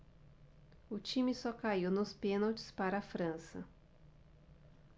o time só caiu nos pênaltis para a frança